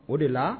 O de la